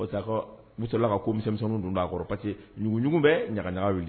O musola ko mimisɛn dun'a kɔrɔugujugu bɛ ɲaga wuli